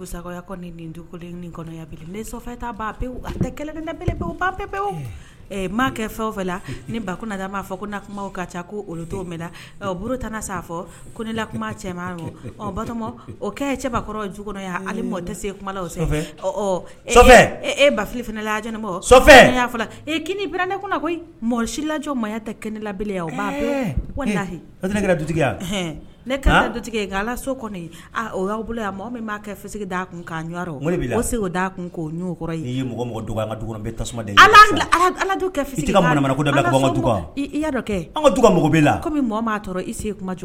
Ba ko neya tɛ ne oya ne du so aaa o y'aw bolo yan mɔgɔ min'a kɛ d'a kun'raw se kun' y'a la jɔ